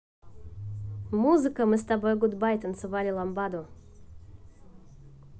музыка мы с тобой гудбай танцевали ламбаду